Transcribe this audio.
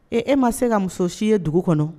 Ee e ma se ka muso si ye dugu kɔnɔ